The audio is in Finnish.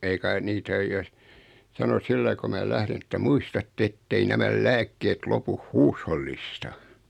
ei kai niitä ole jos sanoi sillä lailla kun minä lähdin että muistatte että ei nämä lääkkeet lopu huushollista